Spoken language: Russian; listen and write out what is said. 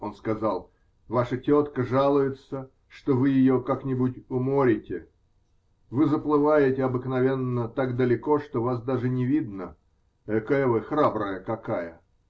Он сказал: -- Ваша тетка жалуется, что вы ее как-нибудь уморите: вы заплываете обыкновенно так далеко, что вас даже не видно. Экая вы храбрая какая!